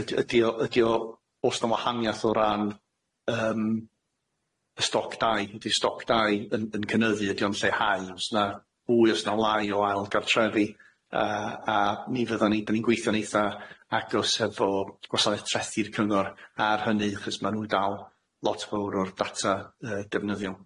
Yd- ydi o ydi o o's na wahaniath o ran yym y stoc dai ydi stoc dai yn yn cynyddu ydi o'n lleihau o's na fwy o's na lai o ail gartrefi yy a ni fyddwn ni dyn ni'n gweithio'n eitha agos hefo gwasanaeth trethi'r cyngor ar hynny achos ma' nw dal lot fowr o'r data yy defnyddiol.